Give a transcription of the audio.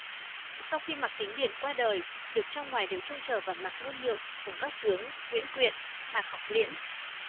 sau khi mạc kính điển qua đời việc trong ngoài đều trông chờ vào mạc đôn nhượng cùng các tướng nguyễn quyện mạc ngọc liễn